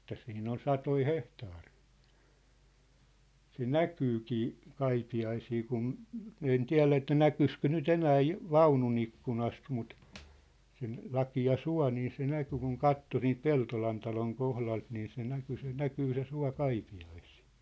että siinä on satoja hehtaareja se näkyykin - Kaipiaisiin kun minä en tiedä että näkyisikö nyt enää - vaunun ikkunasta mutta sen lakea suo niin se näkyi kun katsoi siitä Peltolan talon kohdalta niin se näkyi se näkyy se suo Kaipiaisiin